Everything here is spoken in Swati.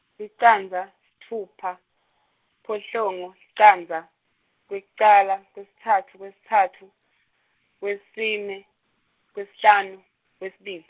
licandza, sitfupha, siphohlongo, licandza, kwekucala, kwesitsatfu, kwesitsatfu, kwesine, kwesihlanu, kwesibili.